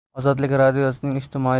ozodlik radiosining ijtimoiy